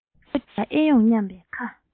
སོ རྒྱག ཨེ འོང སྙམ པའི ཁ